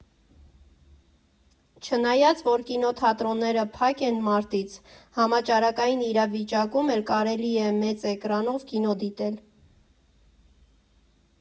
Չնայած, որ կինոթատրոնները փակ են մարտից, համաճարակային իրավիճակում էլ կարելի է մեծ էկրանով կինո դիտել.